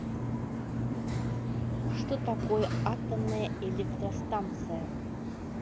что такое атомная электростанция